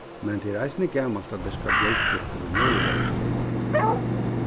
men tað er eisini gamalt at dyrka bjølgfruktir í norðurlondum